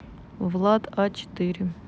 влад а четыре